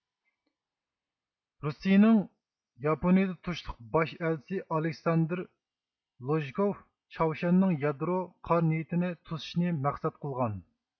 روسىيىنىڭ ياپونىيىدە تۇرۇشلۇق باش ئەلچىسى ئالىكساندېر لوژكوۋ چاۋشيەننىڭ يادرو قارا نىيىتىنى توسۇشنى مەقسەت قىلغان